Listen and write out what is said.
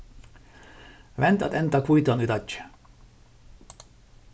vend at enda hvítan í deiggið